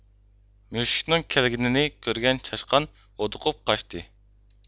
مۈشۈكنىڭ كەلگىنىنى كۆرگەن چاشقان ھودۇقۇپ قاچتى